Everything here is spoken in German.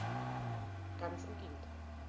Ganz im Gegenteil.